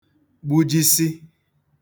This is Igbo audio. gbujisị